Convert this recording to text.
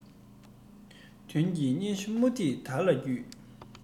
དོན གྱི སྙན ཞུ མུ ཏིག དར ལ བརྒྱུས